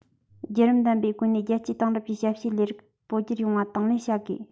རྒྱུད རིམ ལྡན པའི སྒོ ནས རྒྱལ སྤྱིའི དེང རབས ཀྱི ཞབས ཞུའི ལས རིགས སྤོ སྒྱུར ཡོང བ དང ལེན བྱ དགོས